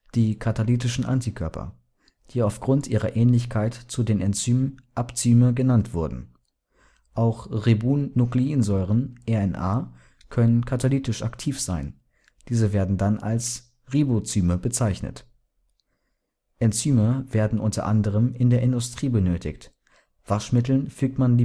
die katalytischen Antikörper, die aufgrund ihrer Ähnlichkeit zu den Enzymen Abzyme genannt wurden. Auch Ribonukleinsäuren (RNA) können katalytisch aktiv sein; diese werden dann als Ribozyme bezeichnet. Enzyme werden unter anderem in der Industrie benötigt. Waschmitteln fügt man